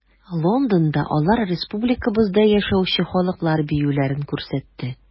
Лондонда алар республикабызда яшәүче халыклар биюләрен күрсәтте.